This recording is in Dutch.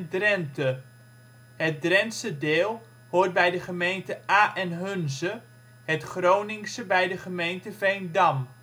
Drenthe. Het Drentse deel hoort bij de gemeente Aa en Hunze, het Groningse bij de gemeente Veendam